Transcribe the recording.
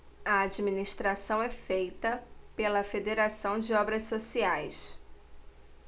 a administração é feita pela fos federação de obras sociais